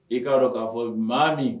I k'a dɔn k'a fɔ maa min